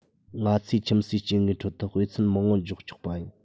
ང ཚོས ཁྱིམ གསོས སྐྱེ དངོས ཁྲོད དུ དཔེ མཚོན མང པོ འཇོག ཆོག པ ཡིན